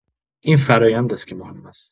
این فرایند است که مهم است.